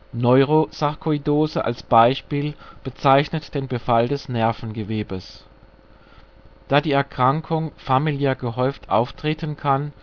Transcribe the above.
Neurosarkoidose als Beispiel bezeichnet den Befall des Nervengewebes). Da die Erkrankung familiär gehäuft auftreten kann